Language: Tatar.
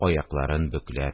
Аякларын бөкләп